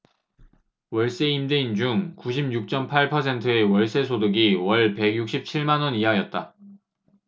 월세 임대인 중 구십 육 쩜 팔 퍼센트의 월세소득이 월 백 육십 칠 만원 이하였다